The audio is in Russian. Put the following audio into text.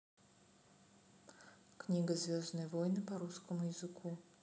книга звездные войны по русскому языку